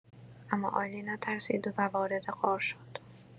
اما آیلین نترسید و وارد غار شد.